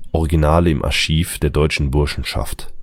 Originale im Archiv der deutschen Burschenschaft